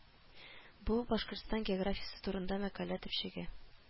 Бу Башкортстан географиясе турында мәкалә төпчеге